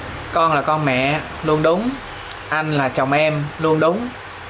con là con mẹ luôn đúng anh là chồng em luôn đúng